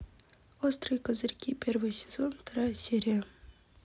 острые козырьки первый сезон вторая серия